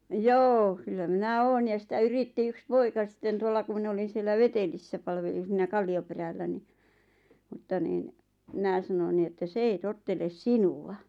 joo kyllä minä olen ja sitä yritti yksi poika sitten tuolla kun minä olin siellä Vetelissä palvelin siinä Kallioperällä niin mutta niin minä sanoin niin että se ei tottele sinua